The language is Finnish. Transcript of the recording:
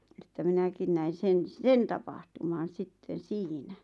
että minäkin näin sen sen tapahtuman sitten siinä